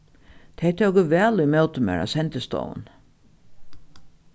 tey tóku væl ímóti mær á sendistovuni